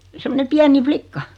semmoinen pieni likka